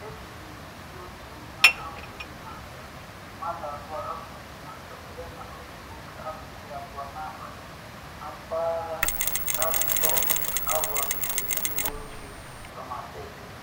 Ejidere otu onye afọ 17, mmadụ abụọ afọ 18 yana otu nwoke afọ 20 n’abalị na mpaghara Radstock, Avon nke Ndị Uwe Ojii Somerset kwuru.